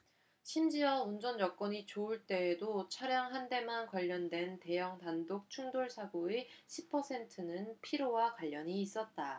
심지어 운전 여건이 좋을 때에도 차량 한 대만 관련된 대형 단독 충돌 사고의 십 퍼센트는 피로와 관련이 있었다